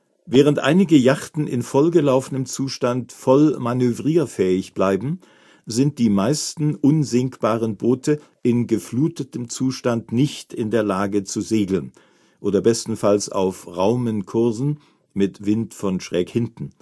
Während einige Yachten in vollgelaufenem Zustand voll manövrierfähig bleiben, sind die meisten unsinkbaren Boote in geflutetem Zustand nicht in der Lage zu segeln – oder bestenfalls auf raumen Kursen (mit Wind von schräg hinten